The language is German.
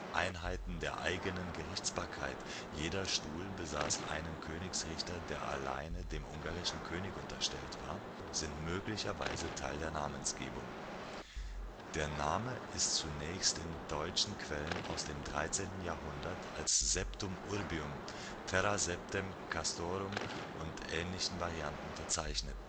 Einheiten der eigenen Gerichtsbarkeit - jeder Stuhl besaß einen Königsrichter, der alleine dem ungarischen König unterstellt war) sind möglicherweise Teil der Namensgebung. Der Name ist zunächst in deutschen Quellen aus dem 13. Jhd. als Septum urbium, Terra septem castrorum und ähnlichen Varianten verzeichnet